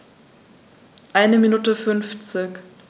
Eine Minute 50